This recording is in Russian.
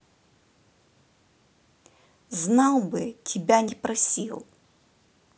знал бы тебя не просил